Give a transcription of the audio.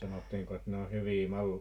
sanottiinko että ne on hyviä -